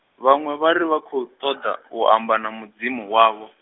vhaṅwe vhari vha khou ṱoḓa, u amba na Mudzimu wavho.